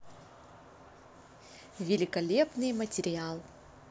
великолепный материал